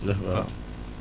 ndax waaw